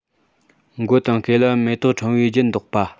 མགོ དང སྐེ ལ མེ ཏོག ཕྲེང བའི རྒྱན འདོགས པ